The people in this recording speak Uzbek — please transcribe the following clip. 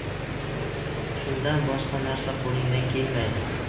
shundan boshqa narsa qo'lingdan kelmaydi